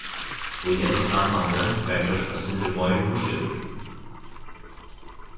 í hesum sambandi varð gjørt eitt sindur meir burturúr